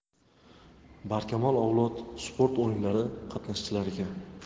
barkamol avlod sport o'yinlari qatnashchilariga